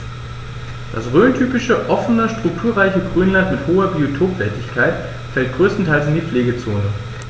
Das rhöntypische offene, strukturreiche Grünland mit hoher Biotopwertigkeit fällt größtenteils in die Pflegezone.